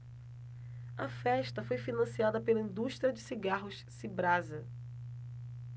a festa foi financiada pela indústria de cigarros cibrasa